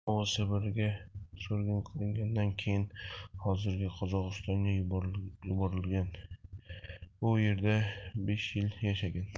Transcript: u sibirga surgun qilingan va keyin hozirgi qozog'istonga yuborilgan u yerda besh yil yashagan